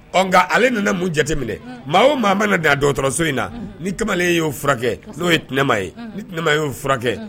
Ɔ nga ale nana mun jateminɛ hunn maa o maa mana dan dɔgɔtɔrɔso in na unhun ni kamalen y'o furakɛ n'o ye Tnɛma ye unhun ni Tnɛma ye o furakɛ